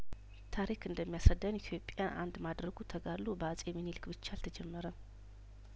ታሪክ እንደሚያስረዳን ኢትዮጵያን አንድ ማድረጉ ተጋደሎ በአጼምኒልክ ብቻ አልተጀመረም